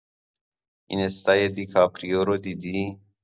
اینستای دی کاپریو رو دیدی؟